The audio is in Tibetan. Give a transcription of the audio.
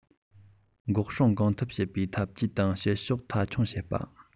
འགོག སྲུང གང ཐུབ བྱེད པའི འཐབ ཇུས དང བྱེད ཕྱོགས མཐའ འཁྱོངས བྱེད པ